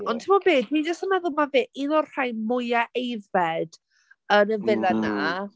Ond ti'n gwybod be, fi just yn meddwl mae fe'n un o'r rhain mwyaf aeddfed yn y villa 'na.